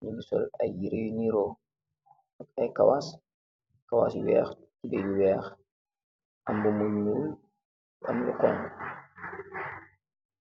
nugi sol aye yere yu noru ak aye kawass, kawass yu weeh, tobay bu weeh ak mun mu njol am lu honha.